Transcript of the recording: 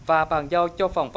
và bàn giao cho phòng